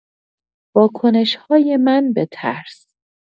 واکنش‌های من به ترس